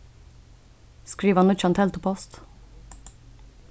skriva nýggjan teldupost